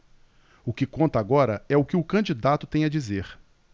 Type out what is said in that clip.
o que conta agora é o que o candidato tem a dizer